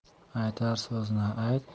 aytar so'zni ayt